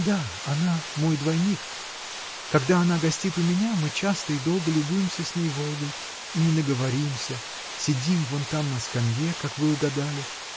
— Да, она — мой двойник: когда она гостит у меня, мы часто и долго любуемся с ней Волгой и не наговоримся, сидим вон там на скамье, как вы угадали.